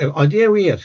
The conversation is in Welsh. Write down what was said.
Ydi e wir?